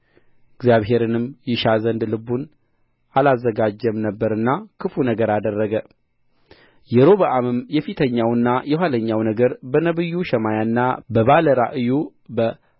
እግዚአብሔርንም ይሻ ዘንድ ልቡን አላዘጋጀም ነበርና ክፉ ነገር አደረገ የሮብዓምም የፊተኛውና የኋለኛው ነገር በነቢዩ ሸማያና በባለ ራእዩ